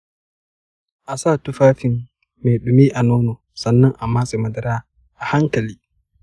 asa tufafin me dumi a nono sannan a matse madara a hankali.